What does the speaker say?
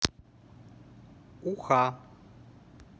уха